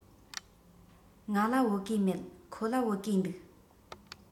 ང ལ བོད གོས མེད ཁོ ལ བོད གོས འདུག